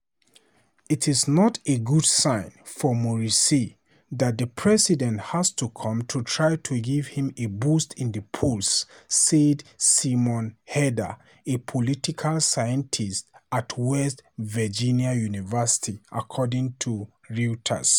"It's not a good sign for Morrisey that the president has to come to try to give him a boost in the polls," said Simon Haeder, a political scientist at West Virginia University, according to Reuters.